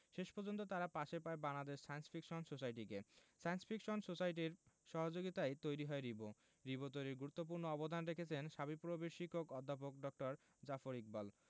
শেষ পর্যন্ত তারা পাশে পায় বাংলাদেশ সায়েন্স ফিকশন সোসাইটিকে সায়েন্স ফিকশন সোসাইটির সহযোগিতায়ই তৈরি হয় রিবো রিবো তৈরিতে গুরুত্বপূর্ণ অবদান রেখেছেন শাবিপ্রবির শিক্ষক অধ্যাপক ড জাফর ইকবাল